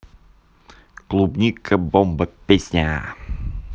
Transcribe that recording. клубника бомба песня